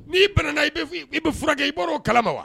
N'i i bɛ i bɛ furakɛ i bɔra'o kalama wa